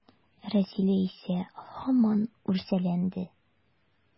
Рәзилә исә һаман үрсәләнде.